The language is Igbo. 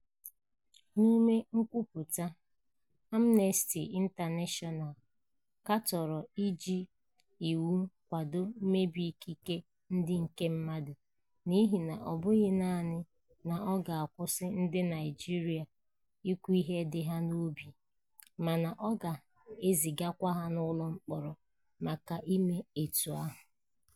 N'ime nkwupụta, Amnesty International katọrọ iji "iwu kwado mmebi ikike ndị nke mmadụ" n'ihi na ọ bụghị naanị na ọ ga-akwụsị ndị Naịjirịa "ikwu ihe dị ha n'obi" mana "ọ ga-ezigakwa ha n'ụlọ mkpọrọ maka ime etu ahụ".